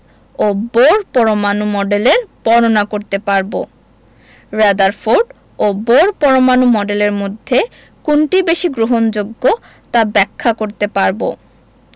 ও Bohr পরমাণু মডেলের বর্ণনা করতে পারব রাদারফোর্ড ও বোর পরমাণু মডেলের মধ্যে কোনটি বেশি গ্রহণযোগ্য তা ব্যাখ্যা করতে পারব